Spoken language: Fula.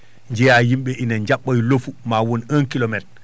njiyaa yimɓe ina jaɓɓa e lofu ma won 1 kilométre